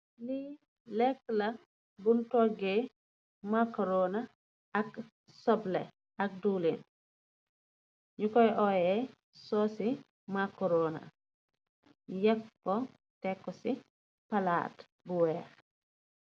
Lee leka la bun touge macarona ak suble ak dewlen nu koye oye suse macarona yakeku teku se palate bu weeh.